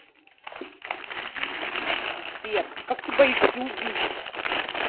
сбер как ты боишься убить